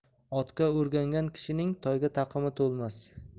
otga o'igangan kishining toyga taqimi to'lmas